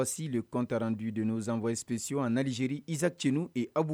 Si deta dunden zanfayesipsi an nadizezsaye abu